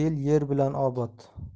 yel yer bilan obod